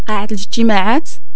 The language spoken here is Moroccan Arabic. قاعة لجتماعات